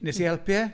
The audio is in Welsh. Wnes i helpu e?